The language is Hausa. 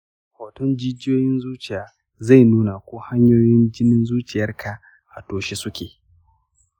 hoton jijiyoyin zuciya zai nuna ko hanyoyin jinin zuciyarka a toshe suke.